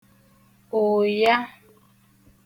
ụ̀ya